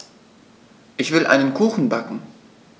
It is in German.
Ich will einen Kuchen backen.